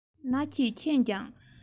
ན གྱིས མཁྱེན ཀྱང